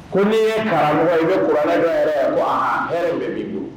Ko ni ye karamɔgɔ i bɛuranɛkɛ yɛrɛ wa hɛrɛ de'i bolo